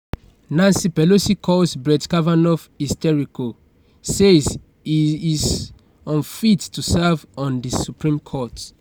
Nancy Pelosi calls Brett Kavanaugh "hysterical," says he is unfit to serve on the Supreme Court